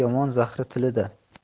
yomon zahri tilida